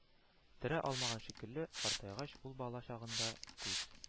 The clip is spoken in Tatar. Терә алмаган шикелле, картайгач, ул бала чагын да күз